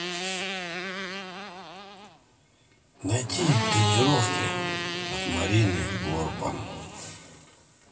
найти тренировки от марины корпан